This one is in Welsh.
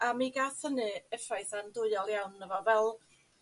A mi gath hynny effaith andwyol iawn yno fo fel